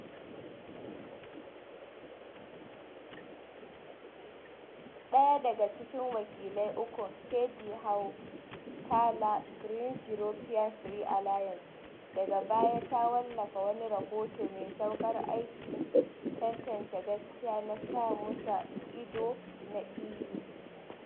Ɗaya daga cikin wakilai ukun, Heidi Hautala (Greens-European Free Alliance), daga baya ta wallafa wani rahoto mai sukar aikin tantance gaskiya na samu sa idon na EU.